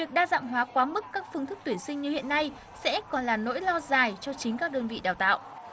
việc đa dạng hóa quá mức các phương thức tuyển sinh như hiện nay sẽ còn là nỗi lo dài cho chính các đơn vị đào tạo